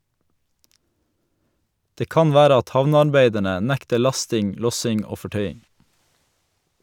Det kan være at havnearbeiderne nekter lasting, lossing og fortøying.